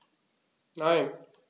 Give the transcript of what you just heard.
Nein.